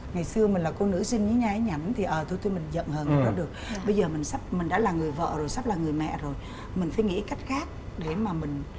ngày xưa mà là cô nữ sinh nhí nha nhí nhặn thì ờ tôi tôi giận người đó được bây giờ mình sắp mình đã là người vợ rồi sắp là người mẹ rồi mình phải nghĩ cách khác để mà mình